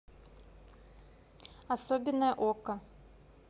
особенная okko